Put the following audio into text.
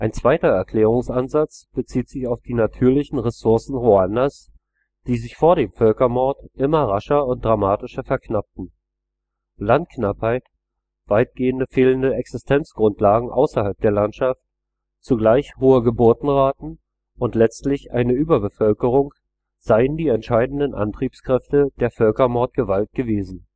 zweiter Erklärungsansatz bezieht sich auf die natürlichen Ressourcen Ruandas, die sich vor dem Völkermord immer rascher und dramatischer verknappten. Landknappheit, weitgehend fehlende Existenzgrundlagen außerhalb der Landwirtschaft, zugleich hohe Geburtenraten und letztlich eine „ Überbevölkerung “seien die entscheidenden Antriebskräfte der Völkermord-Gewalt gewesen